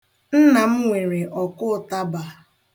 Nna m nwere ọkụụtaba.